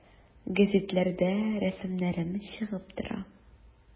Гәзитләрдә рәсемнәрем чыга тора.